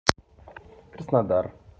краснодар